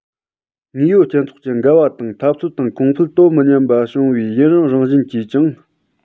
དངོས ཡོད སྤྱི ཚོགས ཀྱི འགལ བ དང འཐབ རྩོད དང གོང འཕེལ དོ མི མཉམ པ བྱུང བའི ཡུན རིང རང བཞིན གྱིས ཀྱང